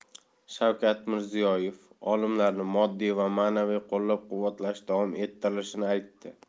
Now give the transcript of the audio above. shavkat mirziyoyev olimlarni moddiy va ma'naviy qo'llab quvvatlash davom ettirilishini aytdi